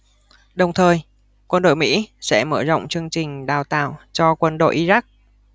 đồng thời quân đội mỹ sẽ mở rộng chương trình đào tạo cho quân đội iraq